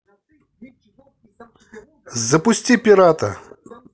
запусти пирата